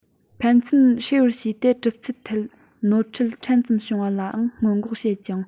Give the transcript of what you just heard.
ཕན ཚུན བསྲེ བར བྱས ཏེ གྲུབ ཚུལ ཐད ནོར འཛོལ ཕྲན ཙམ བྱུང བ ལའང སྔོན འགོག བྱས ཀྱང